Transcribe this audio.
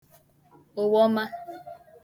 ụwọma